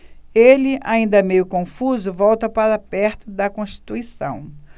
ele ainda meio confuso volta para perto de constituição